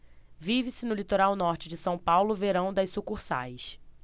vive-se no litoral norte de são paulo o verão das sucursais